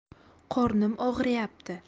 qornim og'riyapti